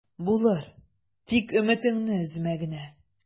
Булыр, тик өметеңне өзмә генә...